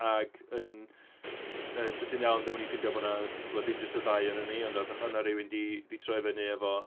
Ac yn yy sydyn iawn dyma ni'n ffeindio bod 'na timod, dim jyst y ddau ohonon ni, ond oedd oedd 'na rywun 'di 'di troi fyny efo...